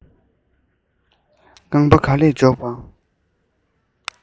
རྐང པ ག ལེར འཇོག པ